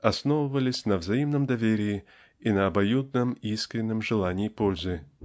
основывались на взаимном доверии и на обоюдном искреннем желании пользы.